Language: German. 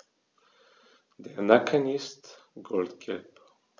Der Nacken ist goldgelb.